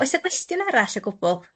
Oes 'na gwestiwn arall o gwbwl?